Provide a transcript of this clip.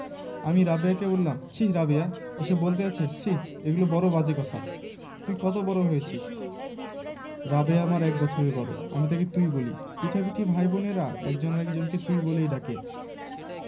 আমি রাবেয়াকে বললাম ছিঃ রাবেয়া এসব বলতে আছে ছিঃ এগুলি বড় বাজে কথা তুই কত বড় হয়েছিস রাবেয়া আমার এক বৎসরের বড় আমি তাকে তুই বলি পিঠাপিঠি ভাই বোনের একজন আরেক জনকে তুই বলেই ডাকে